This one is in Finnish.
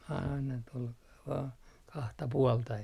aina tuolla vain kahta puolta -